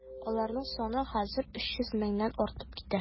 Аларның саны хәзер 300 меңнән артып китә.